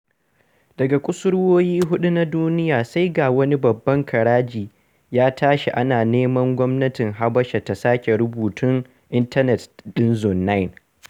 Daga kusurwoyi huɗu na duniya, sai ga wani babban ƙaraji ya tashi ana neman gwamnatin Habasha ta saki marubutan intanet ɗin Zone9.